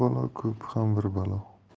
balo ko'pi ham bir balo